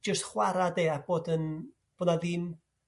jyst chwara' ade'a' bod yn.. Bo' 'na ddim